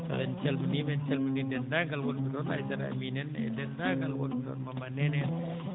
en calminii ɓe en calminii denndaangal wonɓe ɗon * edenndaangal wonɓe ɗon Mama nene en